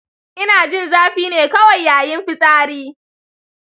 ina jin zafi ne kawai yayin fitsari.